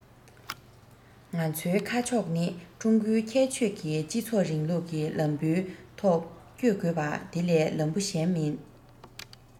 ང ཚོའི ཁ ཕྱོགས ནི ཀྲུང གོའི ཁྱད ཆོས ཀྱི སྤྱི ཚོགས རིང ལུགས ཀྱི ལམ བུའི ཐོག བསྐྱོད དགོས པ དེ ལས ལམ བུ གཞན མིན